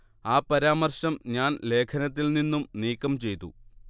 ആ പരാമർശം ഞാൻ ലേഖനത്തിൽ നിന്നും നീക്കം ചെയ്തു